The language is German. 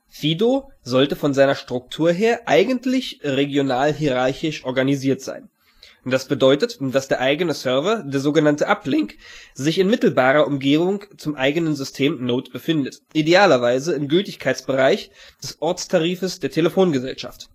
Fido sollte von seiner Struktur her eigentlich regional-hierarchisch organisiert sein. Das bedeutet, dass der eigene Server, der sog. Uplink, sich in mittelbarer Umgebung zum eigenen System (Node) befindet (idealerweise im Gültigkeitsbereich des Ortstarifes der Telefongesellschaft